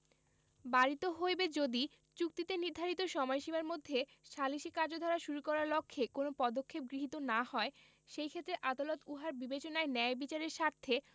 বারিত হইবে যদি চুক্তিতে নির্ধারিত সময়সীমার মধ্যে সালিসী কার্যধারা শুরু করার লক্ষে কোন পদক্ষেপ গৃহীত না হয় সেইক্ষেত্রে আদালত উহার বিবেচনায় ন্যায় বিচারের স্বার্থে